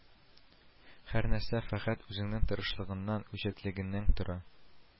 Һәрнәрсә фәкать үзеңнең тырышлыгыңнан, үҗәтлегеңнән тора